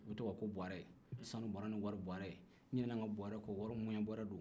olu bɛ to ka fɔ sanu bɔrɛ ni wari bɔrɛ n ɲinɛna n ka bɔrɛ ŋɛɲɛ bɔrɛ don